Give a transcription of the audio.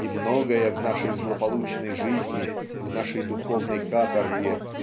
и многое в нашей злополучной жизни в нашей духовной каторге